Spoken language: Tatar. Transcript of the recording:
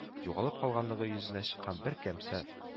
Югалып калганлыгы йөзенә чыккан бер кемсә